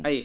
a yiyii